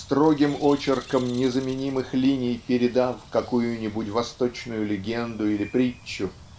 строгим очерком незаменимых линий передав какую-нибудь восточную легенду или притчу